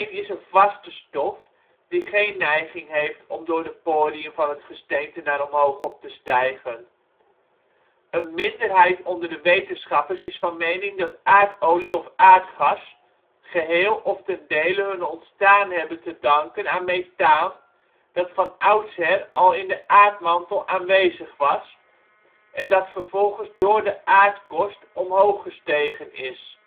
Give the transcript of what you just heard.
is een vaste stof die geen neiging heeft om door de poriën van het gesteente naar omhoog op te stijgen). Een minderheid onder de wetenschappers is van mening dat aardolie of aardgas geheel of ten dele hun ontstaan hebben te danken aan methaan, dat van oudsher al in de aardmantel aanwezig was en dat vervolgens door de aardkorst omhoog gestegen is